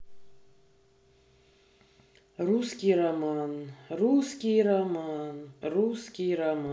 русский роман русский роман русский роман